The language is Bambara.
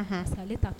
A sa